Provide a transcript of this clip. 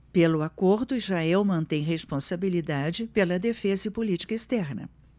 pelo acordo israel mantém responsabilidade pela defesa e política externa